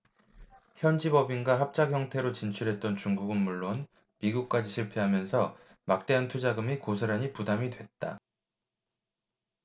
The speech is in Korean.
현지법인과 합작형태로 진출했던 중국은 물론 미국까지 실패하면서 막대한 투자금이 고스란히 부담이 됐다